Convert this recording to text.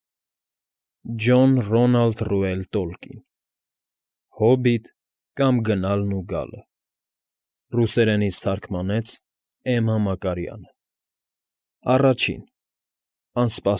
ԱՆՍՊԱՍԵԼԻ ՀՅՈՒՐԵՐ։